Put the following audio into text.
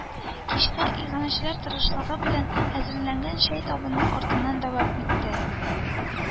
Кичә иганәчеләр тырышлыгы белән эзерләнгән чәй табыны артында дәвам итте